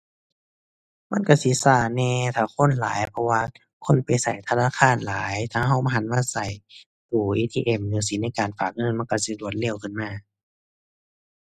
มันก็สิก็แหน่ ถ้าคนหลาย เพราะว่าคนไปก็ธนาคารหลาย ถ้าก็มาหันมาก็ตู้ ATM จั่งซี้ในการฝากเงิน มันก็สิรวดเร็วขึ้นมา